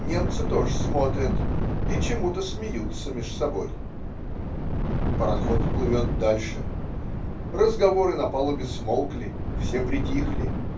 Немцы тоже смотрят и чему-то смеются меж собой. Пароход плывет дальше. Разговоры на палубе смолкли. Все притихли.